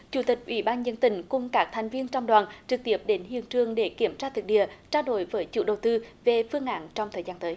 chủ tịch ủy ban nhân dân tỉnh cùng các thành viên trong đoàn trực tiếp đến hiện trường để kiểm tra thực địa trao đổi với chủ đầu tư về phương án trong thời gian tới